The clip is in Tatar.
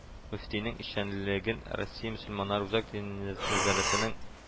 Мөфтинең эшчәнлеген россия мөселманнары үзәк диния нәзарәтенең